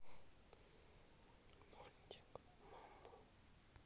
мультик му му